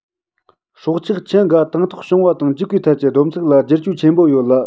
སྲོག ཆགས ཁྱུ འགའ དང ཐོག བྱུང བ དང འཇིག པའི ཐད ཀྱི བསྡོམས ཚིག ལ བསྒྱུར བཅོས ཆེན པོ ཡོད ལ